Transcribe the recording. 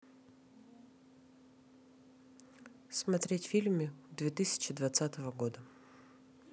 смотреть фильмы две тысячи двадцатого года